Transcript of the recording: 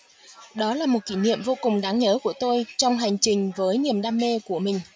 đó là một kỷ niệm vô cùng đáng nhớ của tôi trong hành trình với niềm đam mê của mình